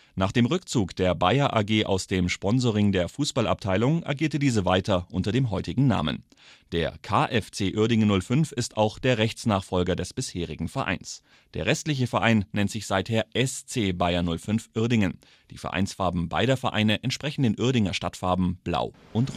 Nach dem Rückzug der Bayer AG aus dem Sponsoring der Fußballabteilung agierte diese weiter unter dem heutigen Namen. Der KFC Uerdingen 05 ist auch der Rechtsnachfolger des bisherigen Vereins. Der restliche Verein nennt sich seither SC Bayer 05 Uerdingen. Die Vereinsfarben beider Vereine entsprechen den Uerdinger Stadtfarben blau-rot